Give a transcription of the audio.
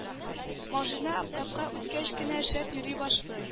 Машина обкатка үткәч кенә шәп йөри башлый